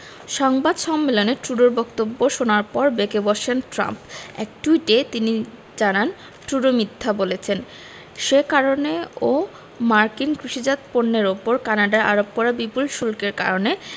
সংবাদ সম্মেলনে ট্রুডোর বক্তব্য শোনার পর বেঁকে বসেন ট্রাম্প এক টুইটে তিনি জানান ট্রুডো মিথ্যা বলেছেন সে কারণে ও মার্কিন কৃষিজাত পণ্যের ওপর কানাডার আরোপ করা বিপুল শুল্কের কারণে